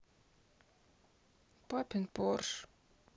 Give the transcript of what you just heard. папин порш